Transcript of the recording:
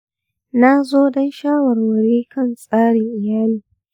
na zo don shawarwari kan tsarin iyali..